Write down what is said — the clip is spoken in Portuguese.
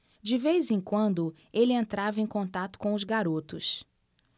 de vez em quando ele entrava em contato com os garotos